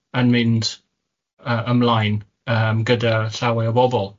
yn mynd yy ymlaen yym gyda'r llawer o bobol.